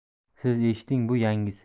siz eshiting bu yangisi